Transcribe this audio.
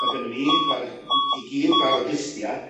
Ma' gynnon ni bar i i gyd bar o glustia.